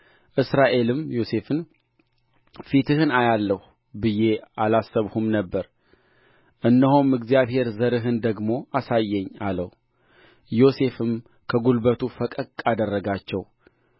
እስራኤልም ዮሴፍን ፊትህን አያለሁ ብዬ አላሰብሁም ነበር እነሆም እግዚአብሔር ዘርህን ደግሞ አሳየኝ አለው ዮሴፍም ከጕልበቱ ፈቀቅ አደረጋቸው